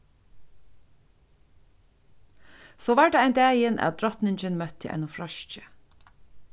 so var tað ein dagin at drotningin møtti einum froski